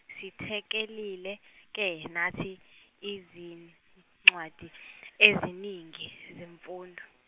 sithekelile ke nathi ezincwadi eziningi zemfundo.